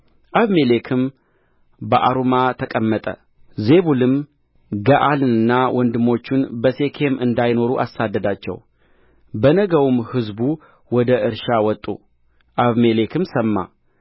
አቤሜሌክም በአሩማ ተቀመጠ ዜቡልም ገዓልንና ወንድሞቹን በሴኬም እንዳይኖሩ አሳደዳቸው በነጋውም ሕዝቡ ወደ እርሻ ወጡ አቤሜሌክም ሰማ